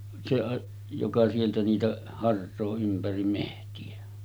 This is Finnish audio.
se - joka sieltä niitä harsoo ympäri metsiä